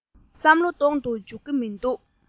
བསམ བློ གཏོང དུ བཅུག གི མི འདུག